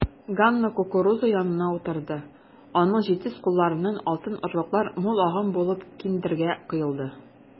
Ганна кукуруза янына утырды, аның җитез кулларыннан алтын орлыклар мул агым булып киндергә коелды.